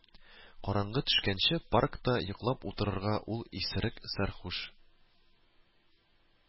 Караңгы төшкәнче паркта йоклап утырырга ул исерек сәрхүш